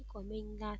của mình là